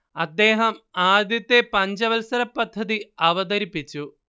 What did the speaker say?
അദ്ദേഹം ആദ്യത്തെ പഞ്ചവത്സര പദ്ധതി അവതരിപ്പിച്ചു